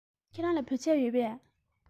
ཁྱེད རང ལ བོད ཆས ཡོད པས